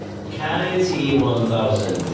Caru T one thousand.